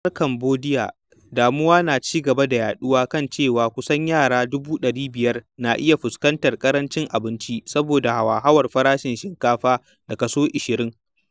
A ƙasar Kambodiya, damuwa na ci gaba da yaɗuwa kan cewa kusan yara 500,000 na iya fara fuskantar ƙarancin abinci saboda hauhawar farashin shinkafa da kaso 20%.